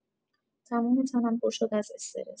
تموم تنم پر شد از استرس.